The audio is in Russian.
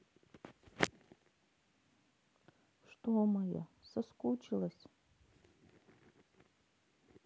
что моя соскучилась